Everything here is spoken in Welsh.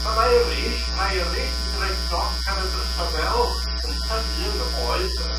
ma' mae eryll rhai eryll wedi roi cnoc ar y drysa' fel y cynta un oedd ac